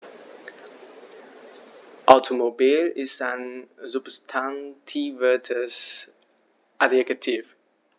Automobil ist ein substantiviertes Adjektiv.